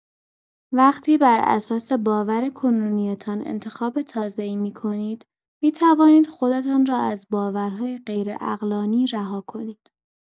وقتی بر اساس باور کنونی‌تان انتخاب تازه‌ای می‌کنید، می‌توانید خودتان را از باورهای غیرعقلانی رها کنید.